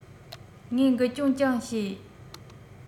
ངས འགུལ སྐྱོད ཀྱང བྱས